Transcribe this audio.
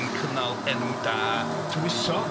Yn cynnal enw da tywysog.